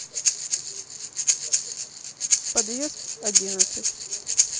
подъезд одиннадцать